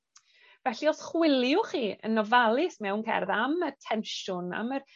Felly os chwiliwch chi yn ofalus mewn cerdd am y tensiwn am yr